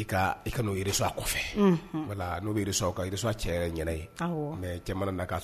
Ye mɛ